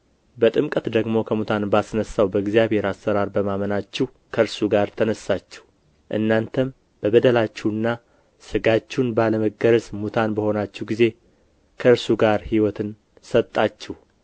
በጥምቀትም ከእርሱ ጋር ተቀብራችሁ በጥምቀት ደግሞ ከሙታን ባስነሣው በእግዚአብሔር አሠራር በማመናችሁ ከእርሱ ጋር ተነሣችሁ እናንተም